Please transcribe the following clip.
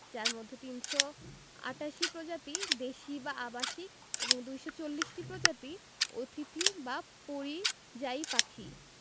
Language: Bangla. যার মধ্যে ৩৮৮টি প্রজাতি দেশী বা আবাসিক এবং ২৪০ টি প্রজাতি অতিথি বা পরিযায়ী পাখি